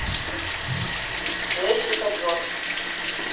джессика джонс